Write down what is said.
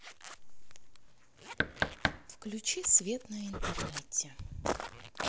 включи свет на интернете